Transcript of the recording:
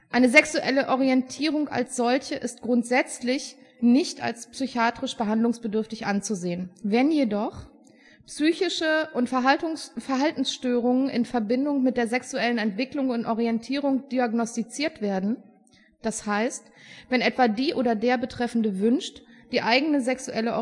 Eine sexuelle Orientierung als solche ist grundsätzlich nicht als psychiatrisch behandlungsbedürftig anzusehen. Wenn jedoch „ Psychische und Verhaltensstörungen in Verbindung mit der sexuellen Entwicklung und Orientierung “diagnostiziert werden, d.h. wenn etwa die oder der Betreffende wünscht, die eigene sexuelle